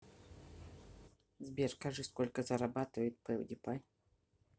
сбер скажи сколько зарабатывает pewdiepie